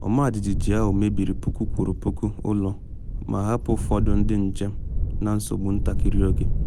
Ọmajiji ahụ mebiri puku kwụrụ puku ụlọ ma hapụ ụfọdụ ndị njem na nsogbu ntakịrị oge.